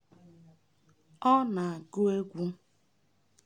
Ọ na-agụ egwu: